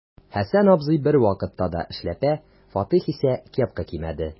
Хәсән абзый бервакытта да эшләпә, Фатих исә кепка кимәде.